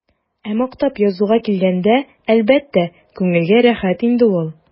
Ә мактап язуга килгәндә, әлбәттә, күңелгә рәхәт инде ул.